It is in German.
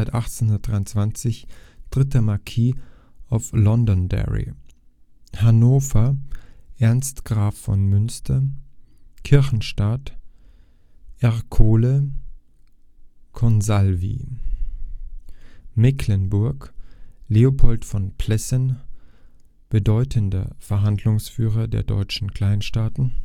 1823 3. Marquis of Londonderry Hannover Ernst Graf von Münster Kirchenstaat Ercole Consalvi Mecklenburg Leopold von Plessen (bedeutender Verhandlungsführer der deutschen Kleinstaaten